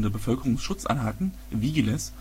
Bevölkerungsschutzeinheiten (Vigiles